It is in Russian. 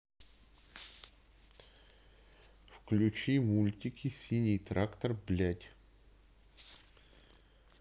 включить мультики синий трактор блядь